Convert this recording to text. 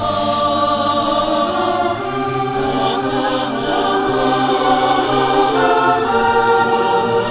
ủng hộ kênh bằng cách đăng ký và chia sẻ nhé